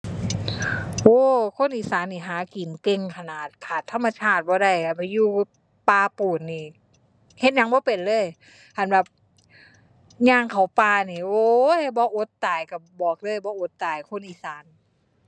โอ้ คนอีสานนี่หากินเก่งขนาด ขาดธรรมชาติบ่ได้ก็ไปอยู่ป่าปูนนี่เฮ็ดหยังบ่เป็นเลย คันแบบย่างเข้าป่านี่ โอ๊ย บ่อดตายก็บอกเลยบ่อดตายคนอีสาน